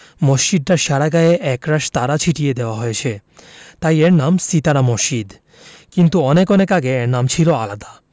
মসজিদটার সারা গায়ে একরাশ তারা ছিটিয়ে দেয়া হয়েছে তাই এর নাম সিতারা মসজিদ কিন্তু অনেক অনেক আগে এর নাম ছিল আলাদা